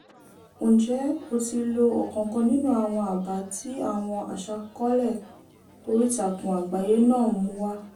Ǹjẹ́ o ti lo ọ̀kankan nínú àwọn àbá tí àwọn aṣàkọọ́lẹ̀ oríìtakùn àgbáyé náà mú wá?